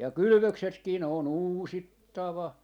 ja kylvöksetkin ne on uusittava